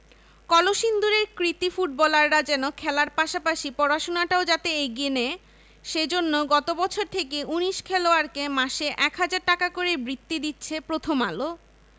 কলসিন্দুরের কৃতী ফুটবলাররা যেন খেলার পাশাপাশি পড়াশোনাটাও যাতে এগিয়ে নেয় সে জন্য গত বছর থেকে ১৯ খেলোয়াড়কে মাসে ১ হাজার টাকা করে বৃত্তি দিচ্ছে প্রথম আলো